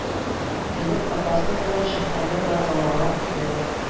Элек атасы белән шәһәргә баргалаган иде